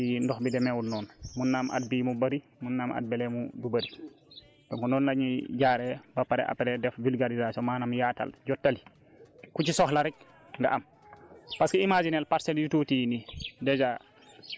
donc day gaaw a ñor parce que dañuy seetlu ne fii nawet bi ndox bi demeewul noonu mun naa am at bii mu bëri mun naa am at bële mu du bëri te munoon nañuy jaaree ba pare après def vulgarisation maanaam yaatal jottali ku si soxla rek nga am